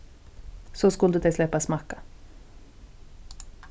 so skuldu tey sleppa at smakka